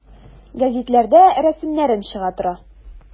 Гәзитләрдә рәсемнәрем чыга тора.